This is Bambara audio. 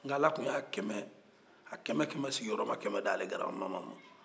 nga ala tun y'a kɛmɛ a kɛmɛ-kɛmɛ sigiyɔrɔma kɛmɛ d'ale garabamama man